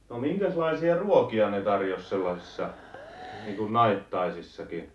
no minkäslaisia ruokia ne tarjosi sellaisissa niin kuin naittajaisissakin